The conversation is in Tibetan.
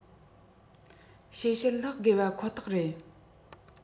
བཤད ཕྱིར སློག དགོས པ ཁོ ཐག རེད